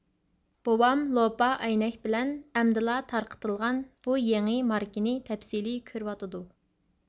بوۋام لوپا ئەينەك بىلەن ئەمدىلا تارقىتىلغان بۇ يېڭى ماركىنى تەپسىلىي كۆرۈۋاتىدۇ